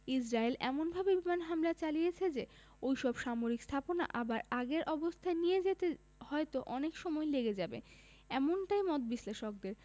Israel এমনভাবে বিমান হামলা চালিয়েছে যে ওই সব সামরিক স্থাপনা আবার আগের অবস্থায় নিয়ে যেতে হয়তো অনেক সময় লেগে যাবে এমনটাই মত বিশ্লেষকদের